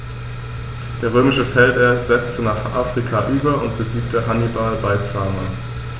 Der römische Feldherr setzte nach Afrika über und besiegte Hannibal bei Zama.